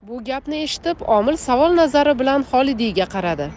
bu gapni eshitib omil savol nazari bilan xolidiyga qaradi